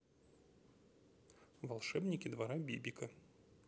волшебники двора бибика